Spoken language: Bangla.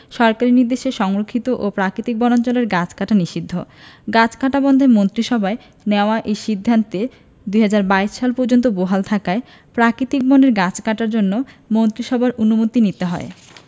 সরকারি নির্দেশে সংরক্ষিত ও প্রাকৃতিক বনাঞ্চলের গাছ কাটা নিষিদ্ধ গাছ কাটা বন্ধে মন্ত্রিসভায় নেয়া এই সিদ্ধান্ত ২০২২ সাল পর্যন্ত বহাল থাকায় প্রাকৃতিক বনের গাছ কাটার জন্য মন্ত্রিসভার অনুমতি নিতে হয়